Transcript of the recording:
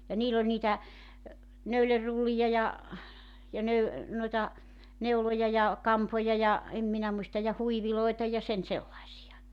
ja niillä oli niitä neulerullia ja ja - noita neuloja ja kampoja ja en minä muista ja huiveja ja sen sellaisia